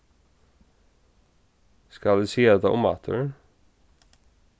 skal eg siga tað umaftur